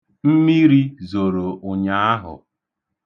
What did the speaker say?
Mmiri zoro ụnyaahụ.